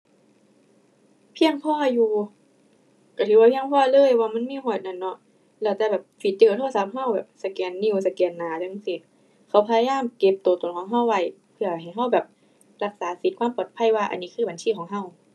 เพียงพออยู่ ก็ถือว่าเพียงพอเลยเพราะว่ามันมีฮอดนั่นเนาะ แล้วแต่แบบฟีเจอร์โทรศัพท์ก็แบบสแกนนิ้ว สแกนหน้าได้จั่งซี้ เขาพยายามเก็บก็ตนของก็ไว้ เพื่อให้ก็แบบ รักษาสิทธิ์ความปลอดภัยว่าอันนี้คือบัญชีของก็